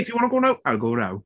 "If you want to go now, I'll go now".